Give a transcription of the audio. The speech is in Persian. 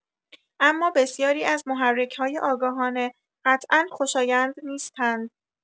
اما بسیاری از محرک‌های آگاهانه قطعا خوشایند نیستند.